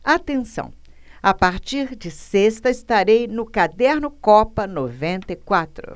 atenção a partir de sexta estarei no caderno copa noventa e quatro